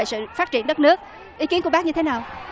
sự phát triển đất nước ý kiến của bác như thế nào